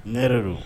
Ne yɛrɛ don